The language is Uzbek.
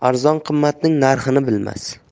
arzon qimmatning narxini bilmas